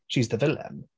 She's the villain.